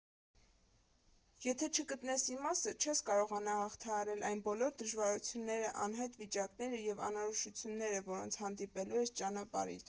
Եթե չգտնես իմաստը, չես կարողանա հաղթահարել այն բոլոր դժվարությունները, անհայտ վիճակները, և անորոշությունները, որոնց հանդիպելու ես ճանապարհիդ։